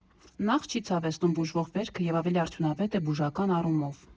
Նախ, չի ցավեցնում բուժվող վերքը և ավելի արդյունավետ է բուժական առումով։